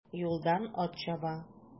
Юлдан ат чаба.